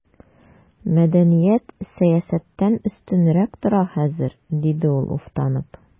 Мәдәният сәясәттән өстенрәк тора хәзер, диде ул уфтанып.